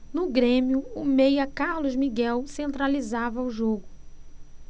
no grêmio o meia carlos miguel centralizava o jogo